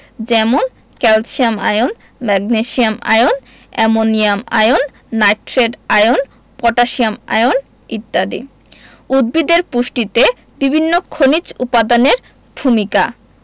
যেমন calcium ion magnesium ion ammonium ion nitrate ion potassium ion ইত্যাদি উদ্ভিদের পুষ্টিতে বিভিন্ন খনিজ উপাদানের ভূমিকা